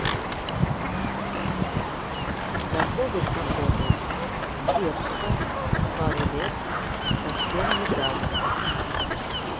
давно вы знакомы с детства пару лет совсем недавно